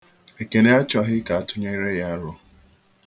Ekene achoghị ka a tụnyere ya aro.